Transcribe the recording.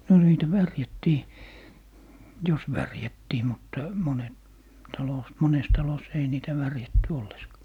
no niitä värjättiin jos värjättiin mutta monet talossa monessa talossa ei niitä värjätty ollenkaan